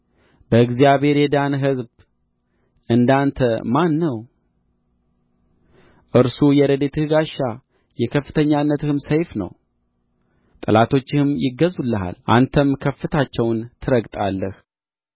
በእግዚአብሔር የዳነ ሕዝብ እንደ አንተ ማን ነው እርሱ የረድኤትህ ጋሻ የከፍተኛነትህም ሰይፍ ነው ጠላቶችህም ይገዙልሃል አንተም ከፍታቸውን ትረግጣለህ